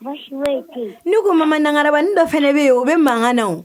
Ni ko mamama nakararaba ni dɔ fana bɛ yen o bɛ mankan na